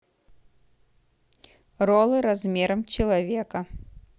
роллы с размером человека